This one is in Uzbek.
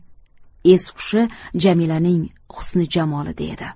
es hushi jamilaning husni jamolida edi